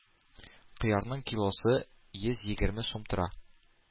Кыярның килосы йөз егерме сум тора.